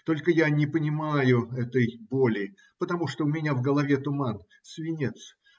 Только я не понимаю этой боли, потому что у меня в голове туман, свинец.